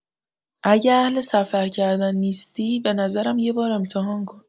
اگه اهل سفر کردن نیستی، به نظرم یه بار امتحان کن.